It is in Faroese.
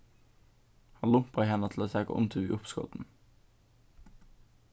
hann lumpaði hana til at taka undir við uppskotinum